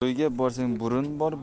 to'yga borsang burun bor